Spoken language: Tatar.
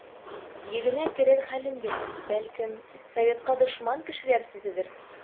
Йөгенә керер хәлем юк, бәлкем, советка дошман кешеләр сүзедер.